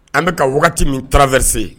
An bɛ ka wagati min traverser